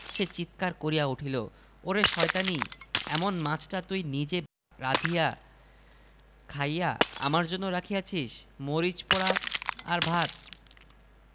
সে চিৎকার করিয়া উঠিল ওরে শয়তানী এমন মাছটা তুই নিজে ব্রাধিয়া খাইয়া আমার জন্য রাখিয়াছিস্ মরিচ পোড়া আর ভাত